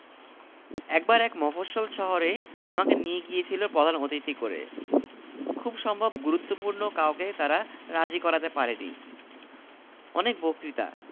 আমি অবাক হয়ে ভাবছি জল ভর্তি কলস নিয়ে জল আনতে যাবার প্রয়ােজনটি কি ঠিক তখন কলসি নিয়ে সে আছাড় খেলো